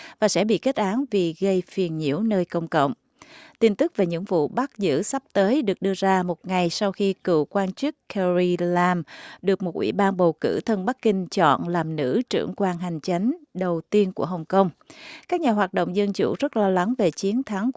và sẽ bị kết án vì gây phiền nhiễu nơi công cộng tin tức về những vụ bắt giữ sắp tới được đưa ra một ngày sau khi cựu quan chức ke ri lam được một ủy ban bầu cử thân bắc kinh chọn làm nữ trưởng quan hành chính đầu tiên của hồng công các nhà hoạt động dân chủ rất lo lắng về chiến thắng